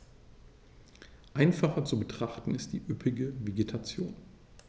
Einfacher zu betrachten ist die üppige Vegetation.